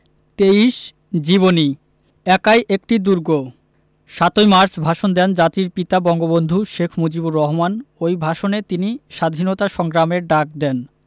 ২৩ জীবনী একাই একটি দুর্গ ৭ই মার্চ ভাষণ দেন জাতির পিতা বঙ্গবন্ধু শেখ মুজিবুর রহমান ওই ভাষণে তিনি স্বাধীনতা সংগ্রামের ডাক দেন